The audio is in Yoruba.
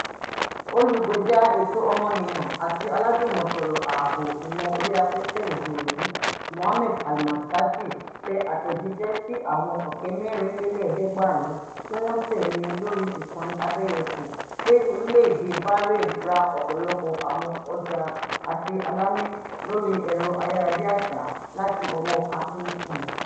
Olùgbèjà ẹ̀tọ́ ọmọnìyàn àti alájùmọ̀sọ̀rọ̀ ààbò ìmọ̀ orí afẹ́fẹ́ òde òní Mohammed Al-Maskati tẹ àtẹ̀jíṣẹ́ sì àwọn 89k tí wọn ń tẹ̀lée lórí ìkànnì abẹ́yẹfò pé Orílẹ̀-èdè Bahrain ra ọ̀pọ̀lọpọ̀ àwọn ọjà aṣe-alamí lórí ẹ̀rọ ayárabíàsá láti ọwọ́ Hacking Team.